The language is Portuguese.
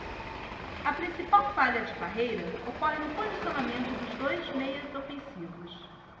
a principal falha de parreira ocorre no posicionamento dos dois meias ofensivos